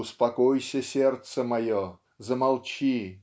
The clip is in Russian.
Успокойся, сердце мое, замолчи.